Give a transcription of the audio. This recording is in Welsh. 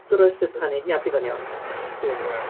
Goroesi'r panig, ia bydd o'n iawn bydd o'n iawn.